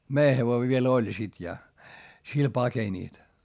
meidän hevonen vielä oli sitten ja sillä pakenivat